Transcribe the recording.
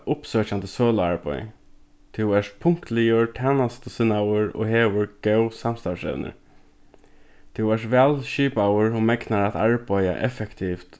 uppsøkjandi søluarbeiði tú ert punktligur tænastusinnaður og hevur góð samstarvsevnir tú ert væl skipaður og megnar at arbeiða effektivt